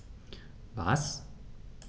Was?